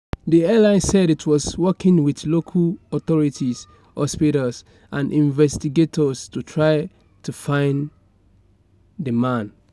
The airline said it was working with local authorities, hospitals and investigators to try to find the man.